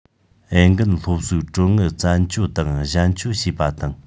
འོས འགན སློབ གསོའི གྲོན དངུལ བཙན སྤྱོད དང གཞན སྤྱོད བྱས པ དང